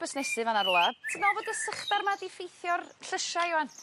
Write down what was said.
...busnesu fan 'na rwla. Ti'n meddwl bod y sychdar 'ma 'di ffeithio'r llysia 'ŵan?